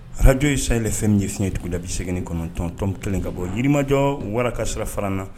Ararajo ye san yɛrɛ fɛn min ye fiɲɛɲɛugu la bisɛ kɔnɔntɔntɔn kelen ka bɔ jirimajɔ wara ka sira fara na